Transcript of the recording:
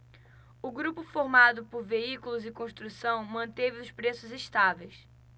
o grupo formado por veículos e construção manteve os preços estáveis